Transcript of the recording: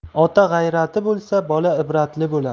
ota g'ayrath bo'lsa bola ibratli bo'lar